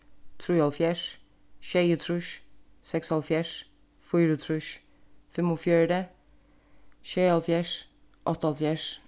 trýoghálvfjerðs sjeyogtrýss seksoghálvfjerðs fýraogtrýss fimmogfjøruti sjeyoghálvfjerðs áttaoghálvfjerðs